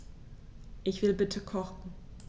Ich will bitte kochen.